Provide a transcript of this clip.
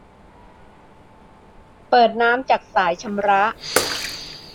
เปิดน้ำจากสายชำระ